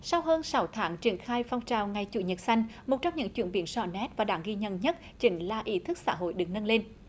sau hơn sáu tháng triển khai phong trào ngày chủ nhật xanh một trong những chuyển biến rõ nét và đáng ghi nhận nhất chính là ý thức xã hội được nâng lên